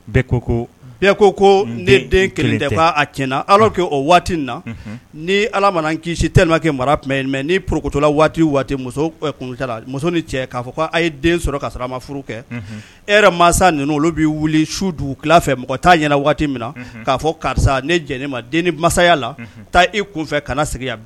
Ko na ni kɛ mara mɛ ni pla waati muso cɛ'a fɔ ka ye sɔrɔ' sɔrɔ a ma furu kɛ e yɛrɛ mansa ninnu olu bɛ wuli su fɛ mɔgɔ t' ɲɛna waati min na k'a fɔ karisa ne jɛnɛ ne ma den ni masaya la taa i kunfɛ ka segin